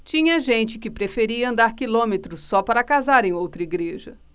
tinha gente que preferia andar quilômetros só para casar em outra igreja